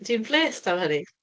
Ti'n blês am hynny?